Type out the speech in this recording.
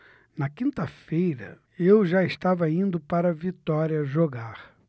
na quinta-feira eu já estava indo para vitória jogar